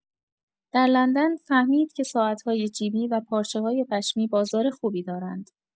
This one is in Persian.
در لندن، فهمید که ساعت‌های جیبی و پارچه‌های پشمی بازار خوبی دارند.